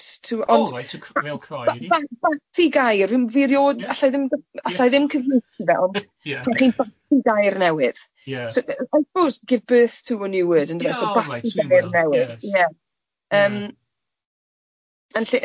T- to... O rait, reol crau. Bathu gair, fi eriod, allai ddim, allai ddim, allai ddim cyfieithu fe, chi'n bathu gair newydd... Ie. ... i suppose give birth to a new word ynde, so bathu gair newydd, ie yym yn lle